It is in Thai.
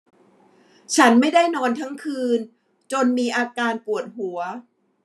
ฉันไม่ได้นอนทั้งคืนจนมีอาการปวดหัว